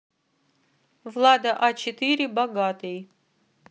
влада а четыре богатый